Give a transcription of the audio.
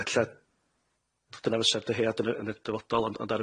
A ella dyna fysa'r dyhead yn y yn y dyfodol ond ond ar